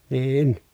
niin